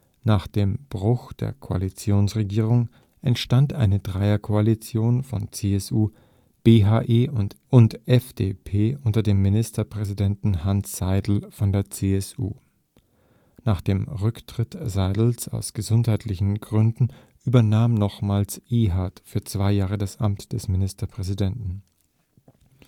Nach dem Bruch der Koalitionsregierung entstand eine Dreierkoalition von CSU, BHE und FDP unter dem Ministerpräsidenten Hanns Seidel von der CSU. Nach dem Rücktritt Seidels aus gesundheitlichen Gründen übernahm nochmals Ehard für zwei Jahre das Amt des Ministerpräsidenten. Die